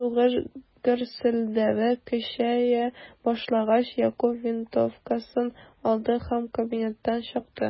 Сугыш гөрселдәве көчәя башлагач, Якуб винтовкасын алды һәм кабинеттан чыкты.